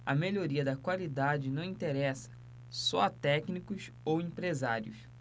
a melhoria da qualidade não interessa só a técnicos ou empresários